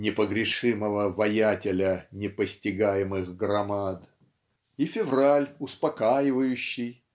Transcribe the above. непогрешимого ваятеля непостигаемых громад" и февраль успокаивающий